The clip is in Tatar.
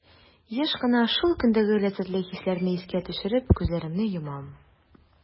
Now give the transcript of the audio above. Еш кына шул көндәге ләззәтле хисләрне искә төшереп, күзләремне йомам.